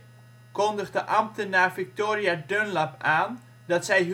kondigde ambtenaar Victoria Dunlap aan dat zij